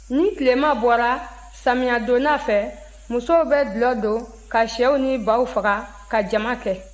ni tilema bɔra samiyɛdonda fɛ musow bɛ dɔlɔ don ka syɛw ni baw faga ka jama kɛ